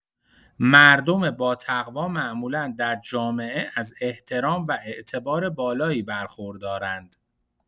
مردم باتقوا معمولا در جامعه از احترام و اعتبار بالایی برخوردارند.